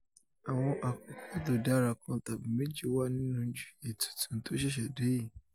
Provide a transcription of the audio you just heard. Àwọn àkókò tódára kan tàbi méjì wá nínú JE tuntun tóṣẹ̀ṣẹ̀ jáde yìí.